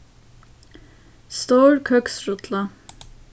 stór køksrulla